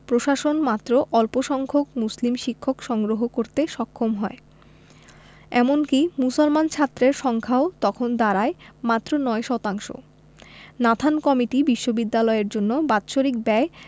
প্রশাসন মাত্র অল্পসংখ্যক মুসলিম শিক্ষক সংগ্রহ করতে সক্ষম হয় এমনকি মুসলমান ছাত্রের সংখ্যাও তখন দাঁড়ায় মাত্র ৯ শতাংশ নাথান কমিটি বিশ্ববিদ্যালয়ের জন্য বাৎসরিক ব্যয়